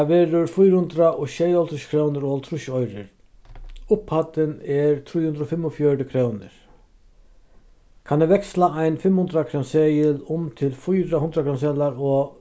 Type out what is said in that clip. tað verður fýra hundrað og sjeyoghálvtrýss krónur og hálvtrýss oyrur upphæddin er trý hundrað og fimmogfjøruti krónur kann eg veksla ein fimmhundraðkrónuseðil um til fýra hundraðkrónuseðlar og